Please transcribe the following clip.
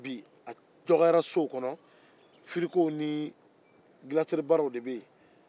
bi a dɔgɔyara sow kɔnɔ firigow ni gilasɛribaraw de bɛ yen